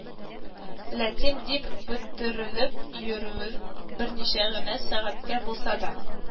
Ләтим дип бөтерелеп йөрүен, берничә генә сәгатькә булса да